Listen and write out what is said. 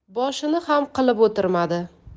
boshini xam qilib o'tirdi